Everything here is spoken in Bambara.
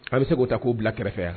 A bɛ se k'o ta k'u bila kɛrɛfɛ yan